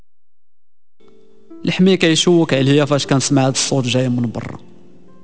يحميك يشوك اذا سمعت الصوت جاي من برا